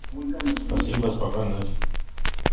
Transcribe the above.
спасибо спокойной ночи